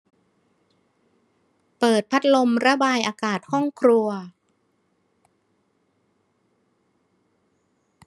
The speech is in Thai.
เปิดพัดลมระบายอากาศห้องครัว